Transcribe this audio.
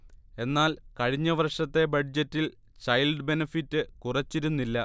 എന്നാൽ കഴിഞ്ഞ വർഷത്തെ ബഡ്ജറ്റിൽ ചൈൽഡ് ബെനഫിറ്റ് കുറച്ചിരുന്നില്ല